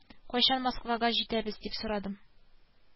Тантана беткәч тә, музыка тынмады.